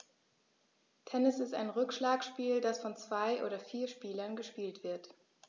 Tennis ist ein Rückschlagspiel, das von zwei oder vier Spielern gespielt wird.